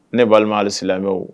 Ne' hali silamɛ bɛ